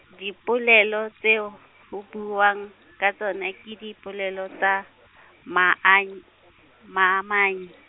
dipolelo tseo ho buuwang ka tsona, ke dipolelo tsa maanyi- , maamanyi.